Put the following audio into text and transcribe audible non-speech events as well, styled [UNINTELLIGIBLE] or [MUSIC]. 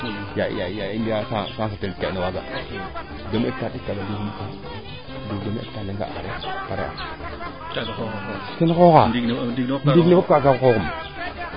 ya ya i mbiya [UNINTELLIGIBLE] demi hectar ndik kaaga jegum fo demi hectar o leŋ a areer pare aa ten xooxa ndiinge ne fop kaaga xooxum